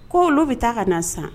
Koo olu bɛ taa ka na san